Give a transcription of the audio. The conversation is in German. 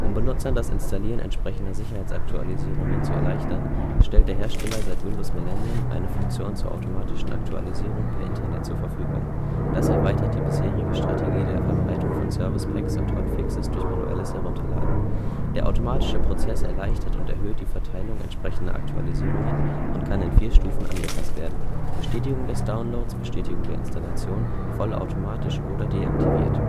Benutzern das Installieren entsprechender Sicherheitsaktualisierungen zu erleichtern, stellt der Hersteller seit Windows ME eine Funktion zur automatischen Aktualisierung per Internet zur Verfügung. Das erweitert die bisherige Strategie der Verbreitung von Service Packs und Hotfixes durch manuelles Herunterladen. Der automatische Prozess erleichtert und erhöht die Verteilung entsprechender Aktualisierungen und kann in vier Stufen angepasst werden (Bestätigung des Downloads, Bestätigung der Installation, vollautomatisch oder deaktiviert